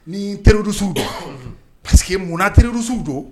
Nii terroriste u don unhun parce que munna terroriste u don